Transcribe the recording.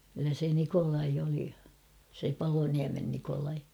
kyllä se Nikolai oli se Paloniemen Nikolai